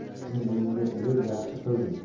uning bo'yniga ilib yaxshi qilding